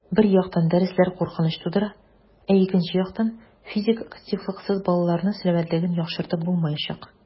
Бер яктан, дәресләр куркыныч тудыра, ә икенче яктан - физик активлыксыз балаларның сәламәтлеген яхшыртып булмаячак.